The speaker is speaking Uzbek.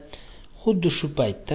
xuddi shu paytda